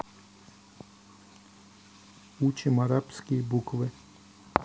учим арабские буквы